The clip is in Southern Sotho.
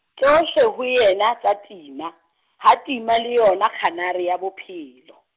tsohle ho yena tsa tima, ha tima le yona kganare ya bophelo.